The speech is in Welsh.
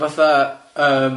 Fatha yym...